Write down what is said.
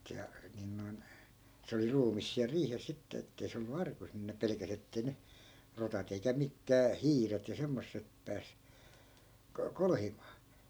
se - niin noin se oli ruumis siellä riihessä sitten että ei se ollut arkussa niin ne pelkäsi että ei ne rotat eikä mitkään hiiret ja semmoiset pääse - kolhimaan